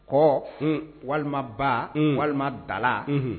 Kɔ, un, walima ba, un, walima dala, unhun.